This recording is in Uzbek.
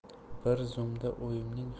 bir zumda oyimning ham mening